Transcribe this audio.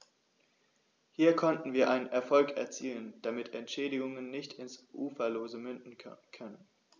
Hier konnten wir einen Erfolg erzielen, damit Entschädigungen nicht ins Uferlose münden können.